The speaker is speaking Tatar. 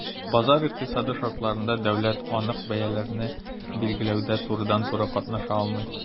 Базар икътисады шартларында дәүләт анык бәяләрне билгеләүдә турыдан-туры катнаша алмый.